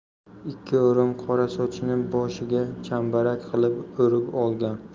ikki o'rim qora sochini boshiga chambarak qilib o'rib olgan